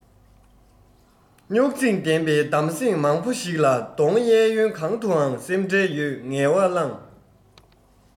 རྙོག འཛིང ལྡན པའི གདམ གསེས མང བོ ཞིག ལ གདོང གཡས གཡོན གང དུའང སེམས ཁྲལ ཡོད ངལ བ བསླངས